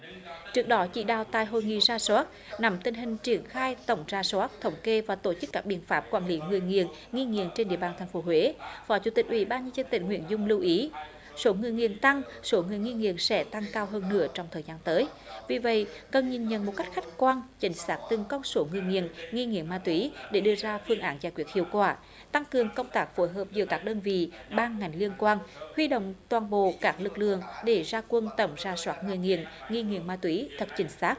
trước đó chỉ đạo tại hội nghị rà soát nắm tình hình triển khai tổng rà soát thống kê và tổ chức các biện pháp quản lý người nghiện nghi nghiện trên địa bàn thành phố huế phó chủ tịch ủy ban nhân dân tình nguyện dung lưu ý số người nghiện tăng số người nghi nghiện sẽ tăng cao hơn nữa trong thời gian tới vì vậy cần nhìn nhận một cách khách quan chính xác từng con số người nghiện nghi nghiện ma túy để đưa ra phương án giải quyết hiệu quả tăng cường công tác phối hợp giữa các đơn vị ban ngành liên quan huy động toàn bộ các lực lượng để ra quân tổng rà soát người nghiện nghi nghiện ma túy thật chính xác